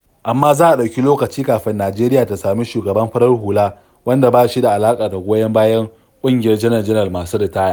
Amma za a ɗauki lokaci kafin Najeriya ta sami shugaban farar hula wanda ba shi da alaƙa ko goyon bayan "ƙungiyar" janar-janar masu ritaya ba.